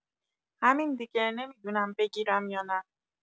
همین دیگه نمی‌دونم بگیرم یا نه